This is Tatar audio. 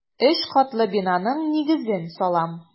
Өч катлы бинаның нигезен салам.